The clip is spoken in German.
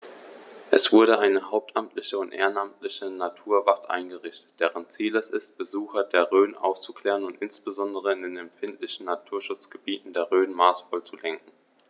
Es wurde eine hauptamtliche und ehrenamtliche Naturwacht eingerichtet, deren Ziel es ist, Besucher der Rhön aufzuklären und insbesondere in den empfindlichen Naturschutzgebieten der Rhön maßvoll zu lenken.